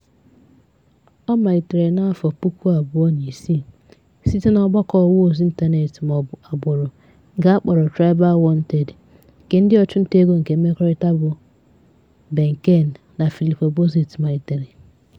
Ọ malitere n'afọ puku abụọ na isii (2006) site n'ọgbakọ ọwaozi ntanetị maọbụ "agbụrụ" nke akpọrọ TribeWanted nke ndị ọchụntaego nke mmekọrịta bụ Ben Keene na Fillippo Bozotti malitere.